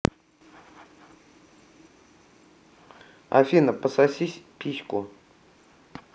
афина пососи письку